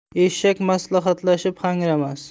eshak maslahatlashib hangramas